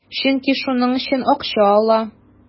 Чөнки шуның өчен акча ала.